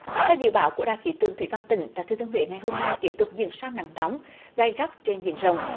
theo dự báo của đài khí tượng thủy văn tỉnh thừa thiên huế ngày hôm nay tiếp tục diễn sang nắng nóng gay gắt trên diện rộng